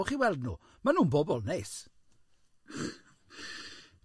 Maen nhw'n bobl neis.